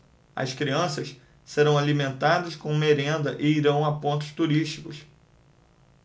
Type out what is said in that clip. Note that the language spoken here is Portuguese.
as crianças serão alimentadas com merenda e irão a pontos turísticos